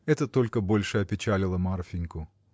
Это только больше опечалило Марфиньку.